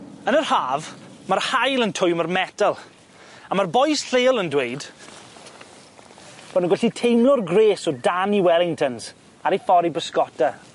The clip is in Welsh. Yn yr haf, ma'r haul yn twymo'r metel a ma'r bois lleol yn dweud, bo' nw'n gallu teimlo'r gres o dan 'u wellingtons ar eu ffor i bysgota.